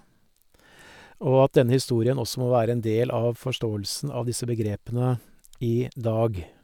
Og at denne historen også må være en del av forståelsen av disse begrepene i dag.